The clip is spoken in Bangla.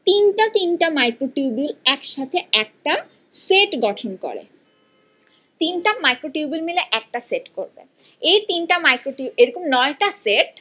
তিনটা তিনটা মাইক্রোটিউবিউল একসাথে একটা সেট গঠন করে তিনটা মাইক্রোটিউবিউল মিলে একটা সেট করবে এ তিনটা মাইক্রোটিউবিউল এরকম ৯ টা সেট